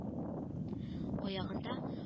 Аягында